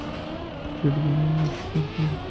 qutulganimga shukur qilib